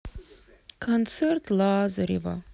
концерт лазарева